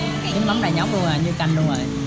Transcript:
nước mắm đầy nhóc như canh luôn rồi